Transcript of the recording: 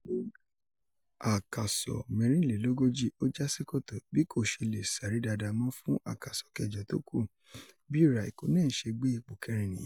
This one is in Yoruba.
Ní àkàsọ̀ 44, ó jásí kòtò. Bí kò ṣe lè sáré dáadáa mọ́ fún àkàsọ 8 tó kù. Bí Raikkonen se gbé ipò kẹrin nìyẹn.